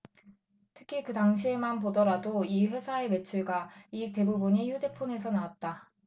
특히 그 당시에만 보더라도 이 회사의 매출과 이익 대부분이 휴대폰에서 나왔다